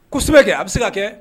Kosɛbɛ a bɛ se ka kɛ